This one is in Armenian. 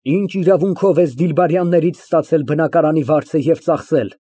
Ի՞նչ իրավունքով ես Դիլբարյաններից ստացել բնակարանի վարձը և ծախսել։